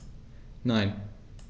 Nein.